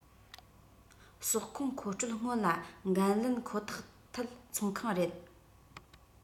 ཟོག ཁུངས མཁོ སྤྲོད སྔོན ལ འགན ལེན ཁོ ཐག ཐད ཚོང ཁང རེད